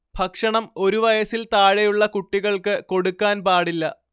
ഭക്ഷണം ഒരു വയസിൽ താഴെയുള്ള കുട്ടികൾക്ക് കൊടുക്കാൻ പാടില്ല